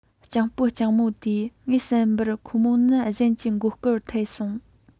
གཅུང པོ གཅུང མོ སྟེ ངའི བསམ པར ཁོ མོ ནི གཞན གྱི མགོ སྐོར ཐེབས སོང